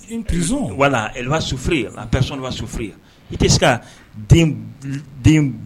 C' est une prison, , voila, elle va souffrir, la personne va souffrir i ɛ se ka den den